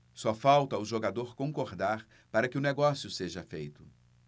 só falta o jogador concordar para que o negócio seja feito